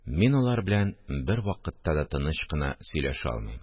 Мин алар белән бервакытта да тыныч кына сөйләшә алмыйм